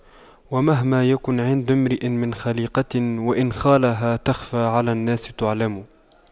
ومهما يكن عند امرئ من خَليقَةٍ وإن خالها تَخْفَى على الناس تُعْلَمِ